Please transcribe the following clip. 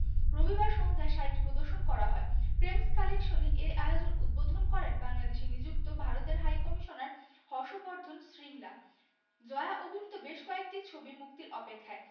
রবিবার সন্ধ্যায় শাড়িটি প্রদর্শন করা হয় প্রেমস কালেকশনের এ আয়োজন উদ্বোধন করেন বাংলাদেশে নিযুক্ত ভারতের হাইকমিশনার হর্ষ বর্ধন শ্রিংলা জয়া অভিনীত বেশ কয়েকটি ছবি মুক্তির অপেক্ষায়